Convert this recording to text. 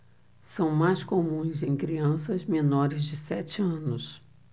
são mais comuns em crianças menores de sete anos